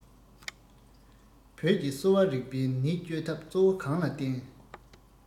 བོད ཀྱི གསོ བ རིགས པས ནད བཅོས ཐབས གཙོ བོ གང ལ བརྟེན